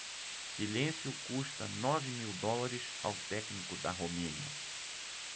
silêncio custa nove mil dólares ao técnico da romênia